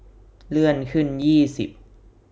เลื่อนขึ้นยี่สิบ